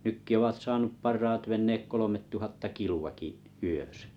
nytkin ovat saanut parhaat veneet kolmetuhatta kiloakin yössä